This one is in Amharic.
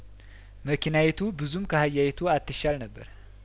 መኪናዪቱ ብዙም ካህ ያዪቱ አት ሻል ነበር